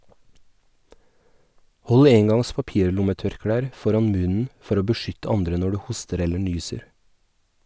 Hold engangs papirlommetørklær foran munnen for å beskytte andre når du hoster eller nyser.